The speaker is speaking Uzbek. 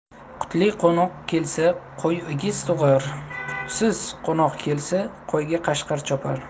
qutli qo'noq kelsa qo'y egiz tug'ar qutsiz qo'noq kelsa qo'yga qashqir chopar